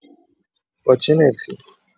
با چه نرخی؟